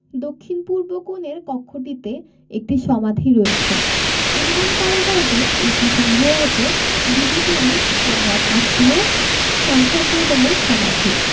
দক্ষিণপূর্ব কোণের কক্ষটিতে একটি সমাধি রয়েছে অনুমান করা হয় যে এটি সম্ভবত বিবি পরীর কোন এক আত্মীয় শামশাদ বেগমের সমাধি